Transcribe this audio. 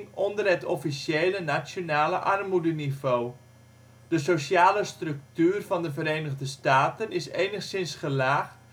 onder het officiële nationale armoedeniveau. De sociale structuur van de Verenigde Staten is enigszins gelaagd